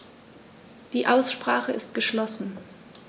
Die Aussprache ist geschlossen.